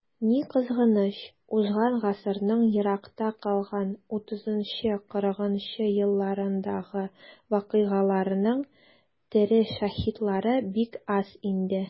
Ни кызганыч, узган гасырның еракта калган 30-40 нчы елларындагы вакыйгаларның тере шаһитлары бик аз инде.